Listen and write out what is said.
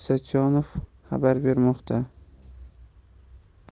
mirolim isajonov xabar bermoqda